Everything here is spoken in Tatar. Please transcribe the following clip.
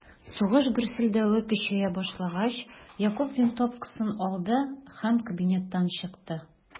Сугыш гөрселдәве көчәя башлагач, Якуб винтовкасын алды һәм кабинеттан чыкты.